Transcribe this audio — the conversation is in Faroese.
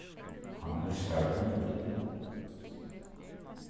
hann elskar hundin